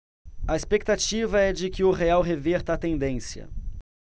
a expectativa é de que o real reverta a tendência